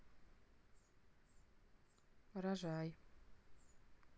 рожай